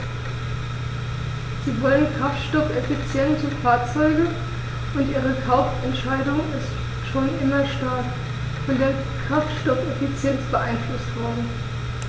Sie wollen kraftstoffeffiziente Fahrzeuge, und ihre Kaufentscheidung ist schon immer stark von der Kraftstoffeffizienz beeinflusst worden.